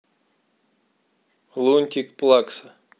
лунтик плакса